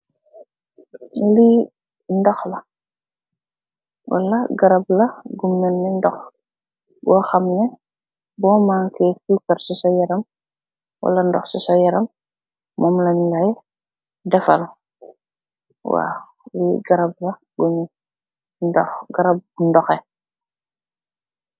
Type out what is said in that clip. Li dooh laah , walah karap laah bu melni dooh bohamneh booh mannkeh dara saah yaram walah dooh sisah yaram moom len laal deffal waaw li garap laah dooh , garap buuh duheeh.